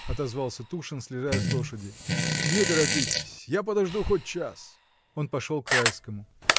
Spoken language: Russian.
— отозвался Тушин, слезая с лошади, — не торопитесь, я подожду хоть час! Он пошел к Райскому.